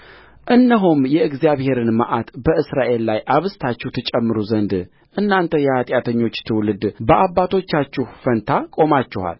እነሆም የእግዚአብሔርን መዓት በእስራኤል ላይ አብዝታችሁ ትጨምሩ ዘንድ እናንተ የኃጢአተኞች ትውልድ በአባቶቻችሁ ፋንታ ቆማችኋል